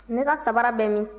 ne ka sabara bɛ min